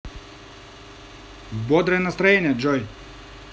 бодрое настроение джой